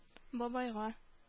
Бабайга